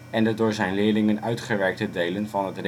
en de door zijn leerlingen uitgewerkte delen van